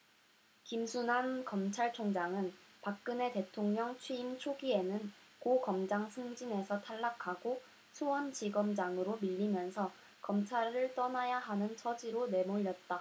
김수남 검찰총장은 박근혜 대통령 취임 초기에는 고검장 승진에서 탈락하고 수원지검장으로 밀리면서 검찰을 떠나야 하는 처지로 내몰렸다